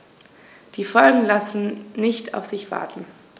Die Folgen lassen nicht auf sich warten.